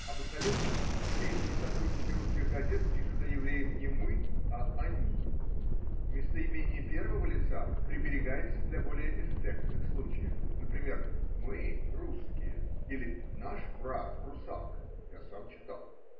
Обыкновенно еврейские сотрудники русских газет пишут о евреях не мы, а они: местоимение первого лица приберегается для более эффектных случаев, например: мы, русские, или наш брат русак (я сам читал).